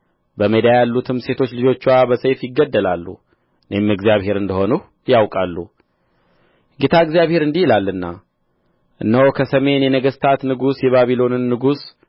በሜዳ ያሉትም ሴቶች ልጆችዋ በሰይፍ ይገደላሉ እኔም እግዚአብሔር እንደ ሆንሁ ያውቃሉ ጌታ እግዚአብሔር እንዲህ ይላልና እነሆ ከሰሜን የነገሥታት ንጉሥ የባቢሎንን ንጉሥ